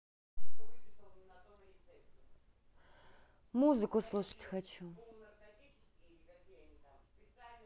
музыку слушать хочу